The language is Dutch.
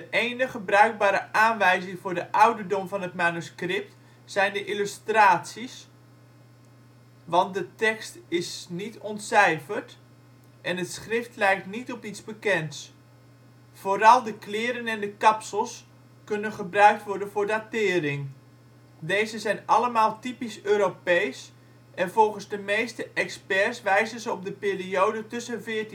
enige bruikbare aanwijzing voor de ouderdom van het manuscript zijn de illustraties, want de tekst is niet ontcijferd en het schrift lijkt niet op iets bekends. Vooral de kleren en de kapsels kunnen gebruikt worden voor datering. Deze zijn allemaal typisch Europees en volgens de meeste experts wijzen ze op de periode tussen 1450 en 1520